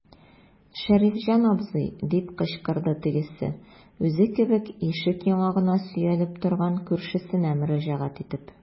Шәрифҗан абзый, - дип кычкырды тегесе, үзе кебек ишек яңагына сөялеп торган күршесенә мөрәҗәгать итеп.